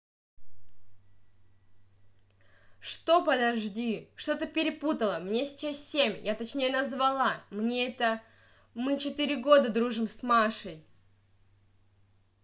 что подожди что то перепутала мне сейчас семь я точнее назвала мне это мы четыре года дружим с машей